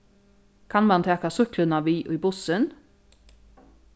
kann mann taka súkkluna við í bussin